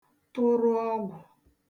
tụrụ ọgwụ̀